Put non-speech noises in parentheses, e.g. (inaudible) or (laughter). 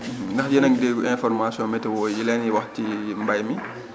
(hesitation) (hesitation) ndax yéen a ngi déglu information météo yi leen di wax ci (noise) mbay mi